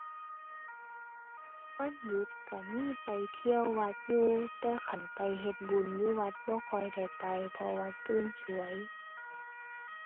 วันหยุดก็มีไปเที่ยววัดอยู่ แต่คันไปเฮ็ดบุญอยู่วัดบ่ค่อยได้ไป เพราะว่าตื่นก็